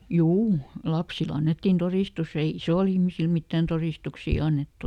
juu lapsille annettiin todistus ei isoille ihmisille mitään todistuksia annettu